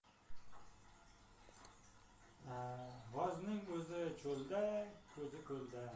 g'ozning o'zi cho'lda ko'zi ko'lda